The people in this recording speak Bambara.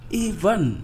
I faun